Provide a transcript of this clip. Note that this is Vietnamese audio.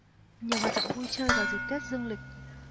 nhiều hoạt động vui chơi vào dịp tết dương lịch